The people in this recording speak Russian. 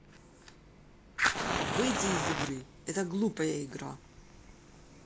выйти из игры это глупая игра